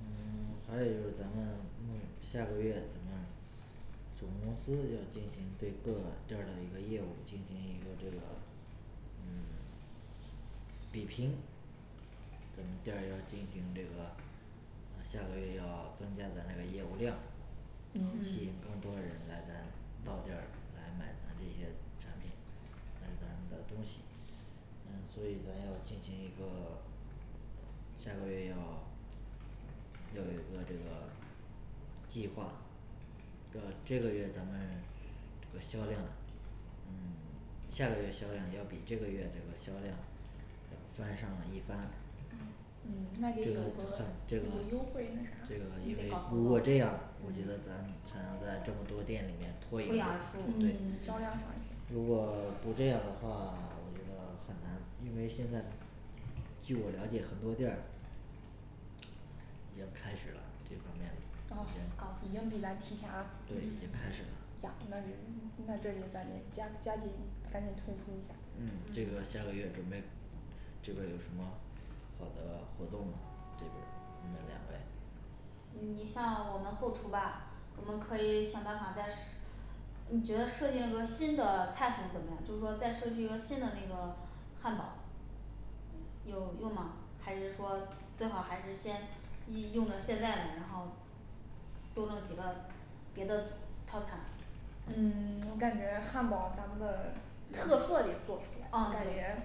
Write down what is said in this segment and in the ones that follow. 嗯 还有就是咱们下个月咱们总公司要进行对各店儿的一个业务进行一个这个嗯 比拼咱们店儿要进行这个呃下个月要增加咱这个业务量嗯，吸引更嗯多人来咱到店儿来买咱这些产品还有咱们的东西，嗯所以咱要进行一个 下个月要要有一个这个计划对吧？这个月咱们销量嗯 下个月销量要比这个月这个销量要翻上一番嗯那得这有个那个很这个个优惠的啥，这个因为如果好这样我觉得咱才能在这么多店里面脱脱颖颖而出。对嗯如果不这样的话，我觉得很难，因为现在据我了解很多店儿已经开始了，这方面嗯好的，已已经经比咱提前了对已经开始了，呀那得那这得赶紧加加紧赶紧突出一下嗯嗯这个下个月准备。嗯这个有什么好的活动吗这边儿你们两位你像我们后厨吧，我们可以想办法再你觉得设计一个新的菜品怎么样？就是说再设计一个新的那个汉堡有用吗？还是说最好还是先一用的现在的，然后多弄几个别的套餐嗯 我感觉汉堡咱们的特色得做出来嗯感对觉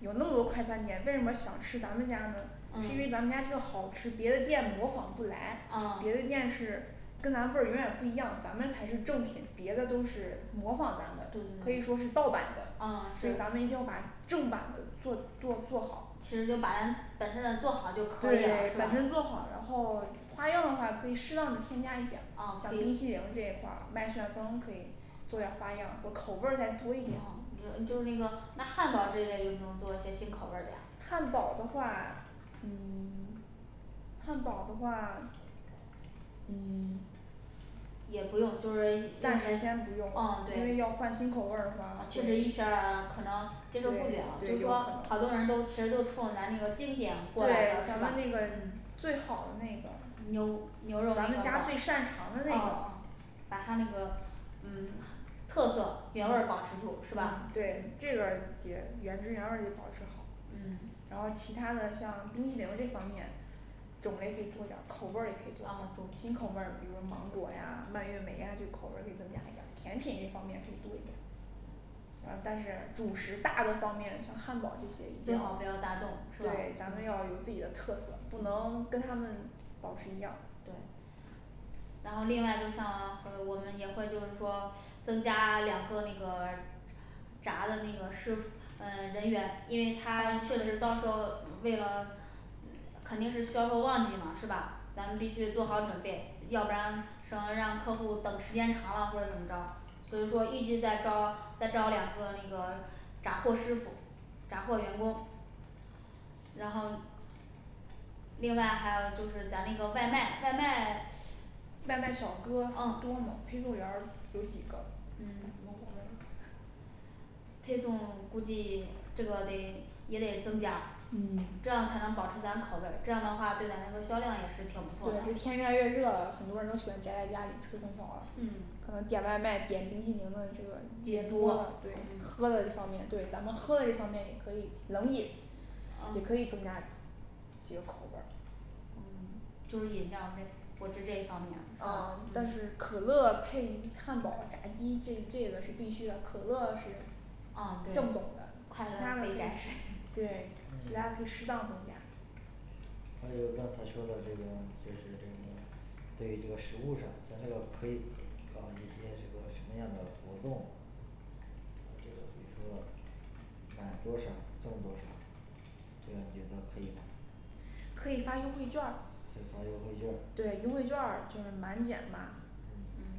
有那么多快餐店为什么想吃咱们家呢？是因为嗯咱们家这个好吃，别的店模仿不来，别嗯的店是跟咱味儿永远不一样，咱们才是正品，别的都是模仿咱的，嗯嗯可以说是盗版的，所以是咱们一定要把正版的做做做好其实就把咱本身的做好就对可以了，嗯本嗯身做好，然后花样儿的话可以适当的添加一点儿，像嗯冰激凌这一块儿麦旋风可以做点儿花样儿，口味儿再多一点儿就就是嗯那个那汉堡这一类用不用做些新口味儿的呀汉堡的话嗯 汉堡的话，嗯 也不用就是嗯对一下暂儿就时还是先不用，因为要换新口味儿是吗？可能接受不了，就是说好多人都其实都冲咱那个经典过对来咱们那个最好的那牛牛个肉，嗯咱们家最擅长的那个把他那个嗯 特色原味儿保持住是吧？对这个姐原汁原味儿的保持好。 嗯然后其他的像冰激凌这方面种类可以多点儿，口味儿也可以多，从嗯新口味儿，比如说芒果啊蔓越莓呀这口味儿可以增加一点儿，甜品这方面可以多一点儿呃但是主食大的方面像汉堡这些一最定好不要大动是吧对咱们要有自己的特色，不能跟他们保持一样对然后另外就像和我们也会就是说增加两个那个炸的那个师傅呃人员，因为他确实到时候为了肯定是销售旺季嘛是吧？咱们必须做好准备，要不然省的让客户等时间长了或者怎么着所以说一直在招在招两个那个炸货师傅，炸货员工然后另外还有就是咱那个外卖外卖 嗯外嗯卖小哥儿多呢配送员儿有几个配送估计这个得也得增加，嗯这样才能保持咱口味，这样的话对咱们的销量也是挺不错的嗯对这天越来越热了，很多人都喜欢宅在家里吹空调了嗯呃点外卖点冰淇淋的这个也也多多，对喝的这方面对咱们喝的这方面也可以，冷饮也可呃以增加几个口味儿嗯就是饮料儿果汁这一方面儿，嗯但是可乐配汉堡，炸鸡这这个是必须的，可乐是嗯对其正宗的其它他的的可以改对其他可以嗯适当增加还有刚才说的这个就是这个对于这个食物上咱这个可以搞一些这个什么样的活动？这个比如说买多少赠多少，这个你觉得可以吗？可以发优惠劵儿可以发优惠劵儿，嗯对优惠劵儿就是满减嘛，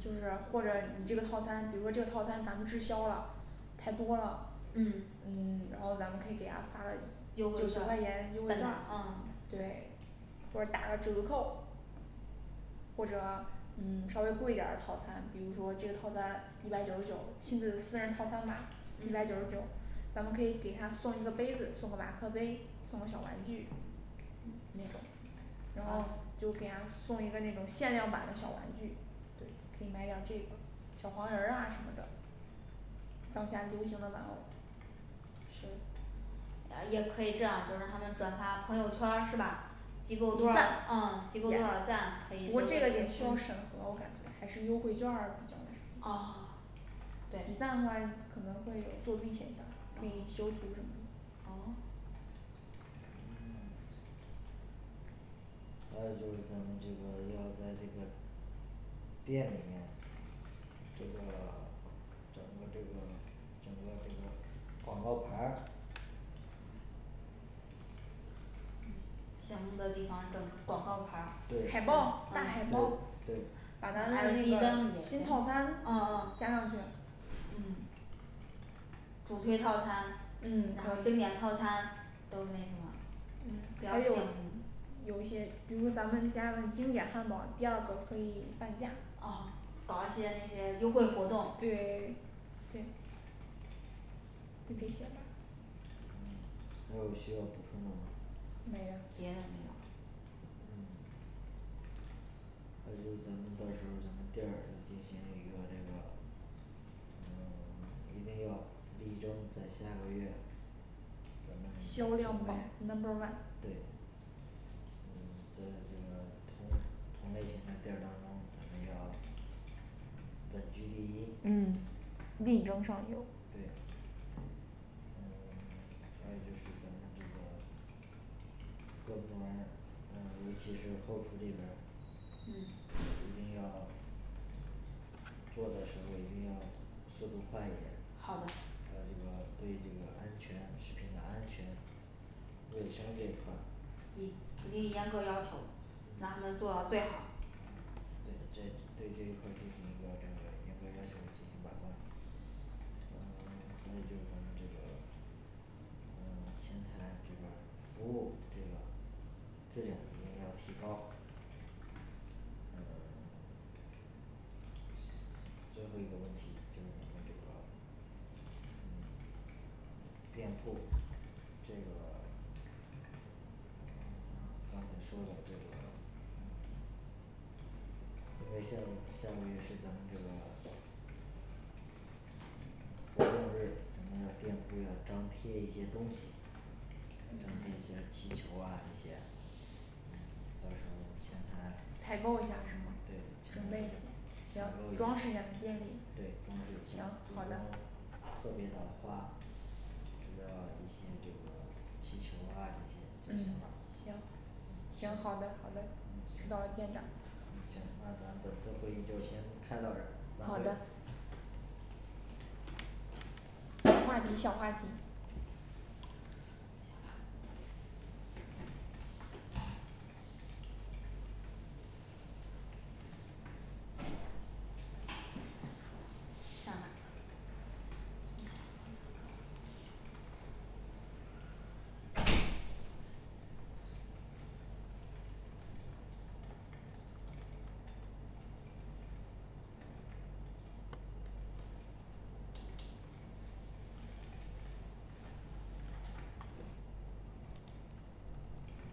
嗯是或者你这个套餐比如说这个套餐咱们滞销了太多了，嗯嗯 然后咱们可以给他发优就惠九券块儿钱优惠劵儿嗯，对。或者打个折扣或者嗯稍微贵一点儿的套餐，比如说这个套餐一百九十九，亲子四人套餐嘛一百九十嗯九咱们可以给他送一个杯子，送个马克杯送个小玩具。 那个然后就给他送一个那种限量版的小玩具对，可以买点儿这个小黄人儿啊什么的。当下流行的玩偶是也可以这样就让他们转发朋友圈儿是吧？集够集多少赞嗯集够多少赞啊可以嗯不啊过这个也需要审核我感觉还是优惠券儿啊比较那什么集对赞的话可能会有作弊现象，可以修图什么嗯嗯还有就是这个咱们要在这个店里面这个 整个这个整个这个广告牌儿像那个地方整广告牌儿嗯海对报、大海对报对，把咱 L 的 E D灯一那类嗯个新套餐嗯嗯加上去主推套餐，嗯然可后以经典套餐都那什么嗯有一些比如咱们家的经典汉堡第二个可以半价哦搞一些那些优惠活动，对。对就这些吧嗯还有需要补充的吗？没有别的没有嗯还有就是咱们到时候咱们店儿进行一个这个嗯 一定要力争在下个月咱们成销为量榜number one。对嗯在这个同同类型的店儿当中，咱们要稳居第一对。嗯嗯 力争上游，还有就是咱们这个各部门儿，呃尤其是后厨这边儿，嗯一定要做的时候一定要速度快一点，还有好这个对这个安全食品的安全卫生这一块儿一一定嗯严格要求，让他们做到最好对这对这一块儿进行一个这个严格要求进行把关。嗯 还有就是咱们这个嗯前台这边儿服务这个质量一定要提高嗯 最后一个问题就是咱们这个嗯 店铺这个 刚才说的这个嗯 因为下个下个月是咱们这个 咱们要店铺要张贴一些东西，张贴一些气球啊这些到时候前台对，采采购购一一下下儿是吗。对？准备行装装饰饰一一下下咱的店里，行好的。特别的花主要一些这个气球啊这些就嗯行了，嗯行嗯。行行好的好的，知道了店长行，咱本次会议就先开到这儿，散好会的。小话题小话题